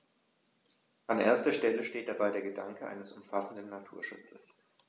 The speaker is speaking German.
An erster Stelle steht dabei der Gedanke eines umfassenden Naturschutzes.